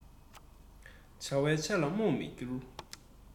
བྱ བའི ཆ ལ རྨོངས མི འགྱུར